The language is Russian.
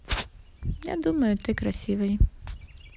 я думаю ты красивый